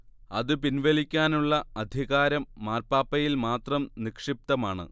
അത് പിൻവലിക്കാനുള്ള അധികാരം മാർപ്പാപ്പയിൽ മാത്രം നിക്ഷിപ്തമാണ്